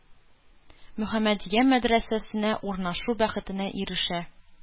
-мөхәммәдия, мәдрәсәсенә урнашу бәхетенә ирешә.